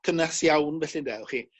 cynnas iawn felly ynde w'chi